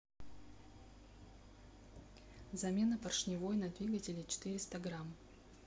замена поршневой на двигателе четыреста грамм